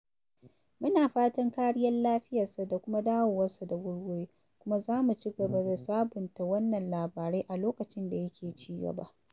Muna fatan kariyar lafiyarsa da kuma dawowarsa da wurwuri, kuma za mu cigaba da sabunta wannan labari a lokacin da yake cigaba.